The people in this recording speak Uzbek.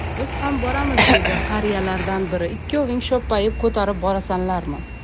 biz ham boramiz dedi qariyalardan biri ikkoving sho'ppayib ko'tarib borasanlarmi